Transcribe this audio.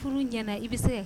Furu ɲɛna i bɛ se